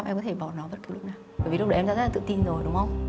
em có thể bỏ nó bất cứ lúc nào bởi vì lúc đấy em đã rất là tự tin rồi đúng không